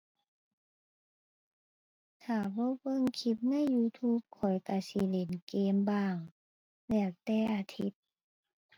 ถ้าบ่เบิ่งคลิปใน YouTube ข้อยก็สิเล่นเกมบ้าง แล้วแต่อาทิตย์